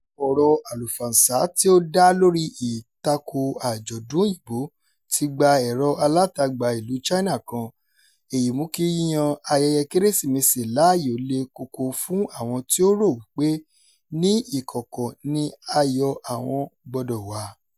Ọ̀rọ̀ àlùfànṣá tí ó dá lórí ìtako àjọ̀dún Òyìnbó ti gba ẹ̀rọ-alátagbà ìlú China kan, èyí mú kí yíyan ayẹyẹ Kérésìmesì láàyò le koko fún àwọn tí ó rò wípé ní ìkọ̀kọ̀ ni ayọ̀ àwọn gbọdọ̀ wà.